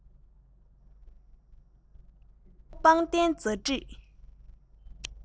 ཀོང མོ པང གདན འཇའ འགྲིག